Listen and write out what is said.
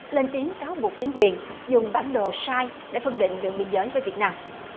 lên tiếng cáo buộc chính quyền dùng bản đồ sai để phân định đường biên giới với việt nam